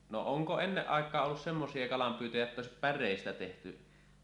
no onko ennen aikaan ollut semmoisia kalanpyyntöjä että olisi päreistä tehty